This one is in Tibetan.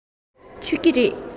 མཆོད ཀྱི རེད